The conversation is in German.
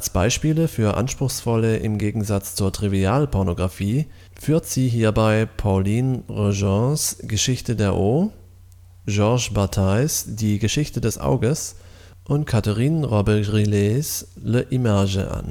Beispiele für anspruchsvolle im Gegensatz zur Trivialpornografie führt sie hierbei Pauline Réages Geschichte der O, Georges Batailles Die Geschichte des Auges und Catherine Robbe-Grillets L'Image an